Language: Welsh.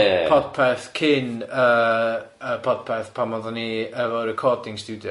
pod- podpeth cyn yy yy podpeth pan oddan ni efo recording studio.